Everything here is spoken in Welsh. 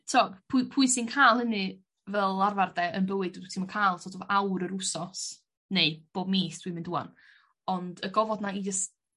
'to pwy pwy sy'n ca'l hynni fel arfar 'de yn bywyd wyt ti'm yn ca'l sort of awr yr wsos neu bob mis dwi'n mynd 'wan ond y gofod 'na i jys